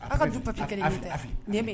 A ka ju pa